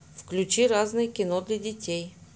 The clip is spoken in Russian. включи разное кино для детей